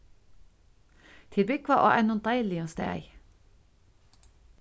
tit búgva á einum deiligum staði